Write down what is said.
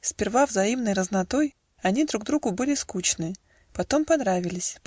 Сперва взаимной разнотой Они друг другу были скучны Потом понравились